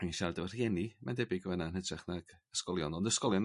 myn' i siarad efoy rhieni mae'n debyg o hynna yn hytrach nag ysgolion ond ysgolion